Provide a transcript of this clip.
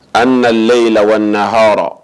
An nalayi la na h hɔrɔnɔrɔ